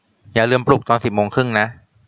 อย่าลืมปลุกตอนสิบโมงครึ่งนะ